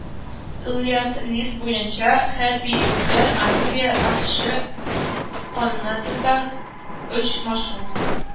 Ленд-лиз буенча хәрби йөкләр Англия, АКШ, Канададан өч маршрут